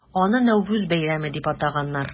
Аны Нәүрүз бәйрәме дип атаганнар.